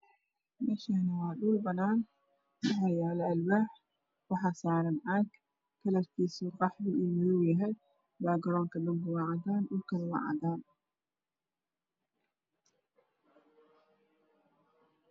Meeshaani waa shul banaan waxaa yaalo alwaax waxaa saaran caag kalarkisa qaxwi madow yahay background dhulka waa cadaan